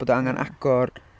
Bod o angen agor ...